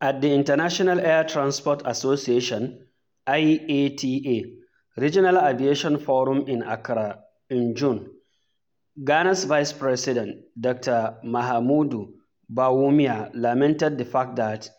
At the International Air Transport Association (IATA) regional aviation forum in Accra in June, Ghana's Vice President, Dr. Mahamudu Bawumia lamented the fact that